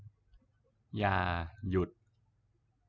อย่าหยุด